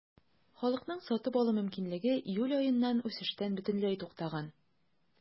Халыкның сатып алу мөмкинлеге июль аеннан үсештән бөтенләй туктаган.